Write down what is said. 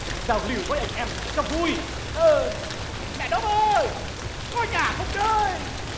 giao lưu với anh em cho vui mẹ đốp ơi có nhà không đấy